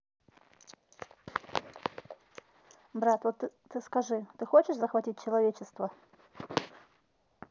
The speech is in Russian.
брат вот скажи ты хочешь захватить человечество